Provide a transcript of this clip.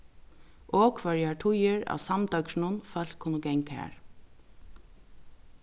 og hvørjar tíðir av samdøgrinum fólk kunnu ganga har